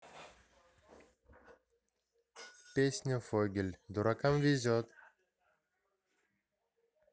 песня фогель дуракам везет